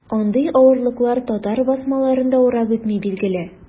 Андый авырлыклар татар басмаларын да урап үтми, билгеле.